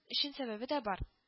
Өчен сәбәбе дә бар